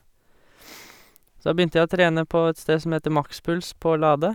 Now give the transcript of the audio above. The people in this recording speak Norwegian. Så da begynte jeg å trene på et sted som heter Maxpuls på Lade.